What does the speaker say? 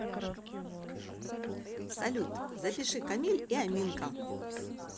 салют запиши камиль и аминка